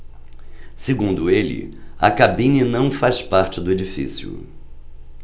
segundo ele a cabine não faz parte do edifício